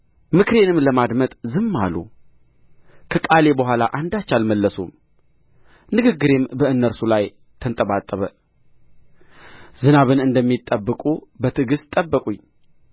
ምክሬንም ለማዳመጥ ዝም አሉ ከቃሌ በኋላ አንዳች አልመለሱም ንግግሬም በእርሱ ላይ ተንጠባጠበ ዝናብን እንደሚጠብቁ በትዕግሥት ጠበቁኝ